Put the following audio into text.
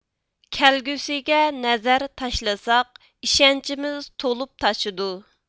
كەلگۈسىگە نەزەر تاشلىساق ئىشەنچىمىز تولۇپ تاشىدۇ